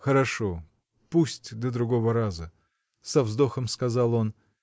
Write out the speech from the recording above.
— Хорошо, пусть до другого раза! — со вздохом сказал он.